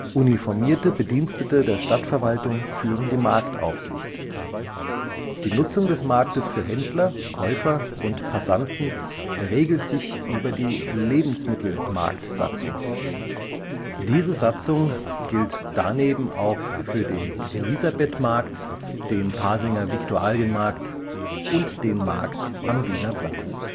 Uniformierte Bedienstete der Stadtverwaltung führen die Marktaufsicht. Die Nutzung des Marktes für Händler, Käufer und Passanten regelt sich über die Lebensmittelmarktsatzung. Diese Satzung gilt daneben für den Elisabethmarkt, den Pasinger Viktualienmarkt und den Markt am Wiener Platz